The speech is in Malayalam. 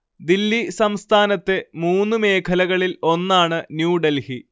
ദില്ലി സംസ്ഥാനത്തെ മൂന്നു മേഖലകളിൽ ഒന്നാണ് ന്യൂ ഡെൽഹി